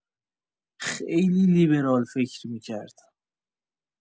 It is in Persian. خیلی لیبرال فکر می‌کرد!